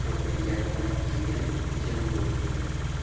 yopilganidan keyin jim buldi